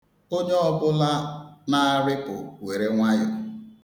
Onye ọ bụla na-arịpụ were nwayọ.